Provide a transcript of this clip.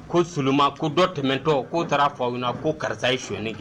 Ko seulement ko dɔ tɛmɛn tɔ k'o taara fɔ aw ɲɛna ko karisa ye sonyiali kɛ.